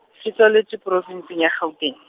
tse tswaletswe Province ya Gauteng.